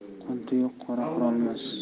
qunti yo'q qo'ra qurolmas